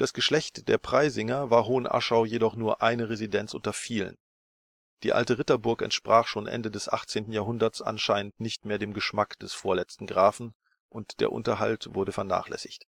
Geschlecht der Preysinger war Hohenaschau jedoch nur eine Residenz unter vielen. Die alte Ritterburg entsprach schon Ende des 18. Jahrhunderts anscheinend nicht mehr dem Geschmack des vorletzten Grafen und der Unterhalt wurde vernachlässigt